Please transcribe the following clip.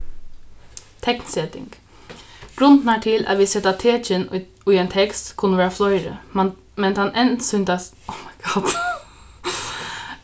teknseting grundirnar til at vit seta tekin í ein tekst kunnu vera fleiri men tann